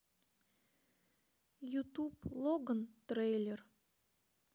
ютуб логан трейлер